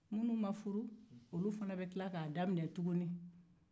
minnu ma furu olu fana bɛ tila k'a daminɛ tuguni